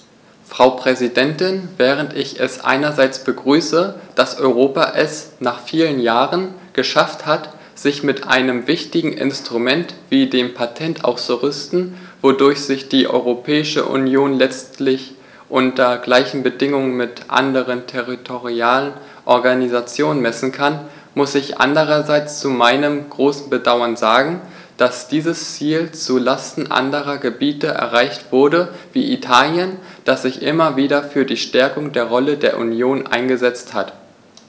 Frau Präsidentin, während ich es einerseits begrüße, dass Europa es - nach vielen Jahren - geschafft hat, sich mit einem wichtigen Instrument wie dem Patent auszurüsten, wodurch sich die Europäische Union letztendlich unter gleichen Bedingungen mit anderen territorialen Organisationen messen kann, muss ich andererseits zu meinem großen Bedauern sagen, dass dieses Ziel zu Lasten anderer Gebiete erreicht wurde, wie Italien, das sich immer wieder für die Stärkung der Rolle der Union eingesetzt hat.